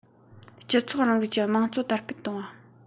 སྤྱི ཚོགས རིང ལུགས ཀྱི དམངས གཙོ དར སྤེལ གཏོང བ